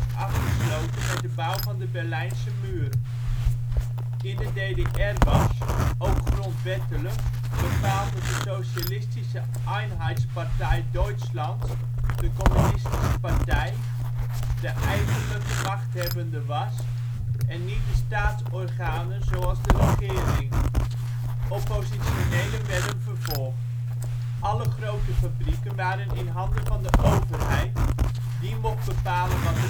afgesloten met de bouw van de Berlijnse Muur. In de DDR was, ook grondwettelijk, bepaald dat de Sozialistische Einheitspartei Deutschlands (de communistische partij) de eigenlijke machthebbende was en niet de staatsorganen zoals de regering. Oppositionelen werden vervolgd. Alle grote fabrieken waren in handen van de overheid, die mocht bepalen wat